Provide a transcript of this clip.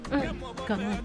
Ka